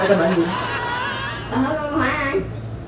ê tao bệnh gì mậy bà hỏi con con hỏi ai